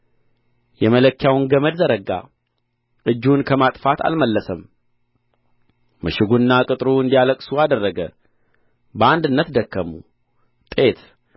የመለኪያውን ገመድ ዘረጋ እጁን ከማጥፋት አልመለሰም ምሽጉና ቅጥሩ እንዲያለቅሱ አደረገ በአንድነት ደከሙ ጤት